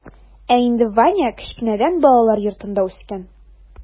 Ә инде ваня кечкенәдән балалар йортында үскән.